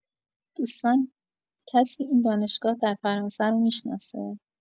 دوستانی کسی این دانشگاه در فرانسه رو می‌شناسه؟